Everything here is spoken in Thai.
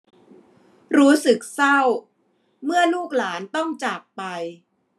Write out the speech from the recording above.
รู้สึกเศร้าเมื่อลูกหลานต้องจากไป